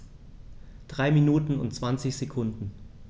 3 Minuten und 20 Sekunden